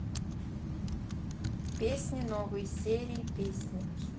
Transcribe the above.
песни новые серии песни